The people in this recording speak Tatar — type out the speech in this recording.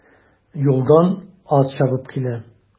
Юлдан ат чабып килә.